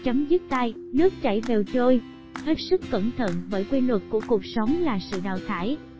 chấm dứt style 'nước chảy bèo trôi' hết sức cẩn thận bởi quy luật của cuộc sống là sự đào thải